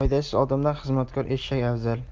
foydasiz odamdan xizmatkor eshak afzal